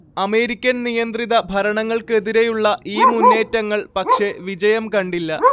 അമേരിക്കൻനിയന്ത്രിത ഭരണങ്ങൾക്കെതിരെയുള്ള ഈ മുന്നേറ്റങ്ങൾ പക്ഷേ വിജയം കണ്ടില്ല